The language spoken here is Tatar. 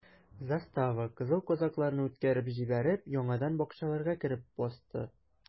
Застава, кызыл казакларны үткәреп җибәреп, яңадан бакчаларга кереп посты.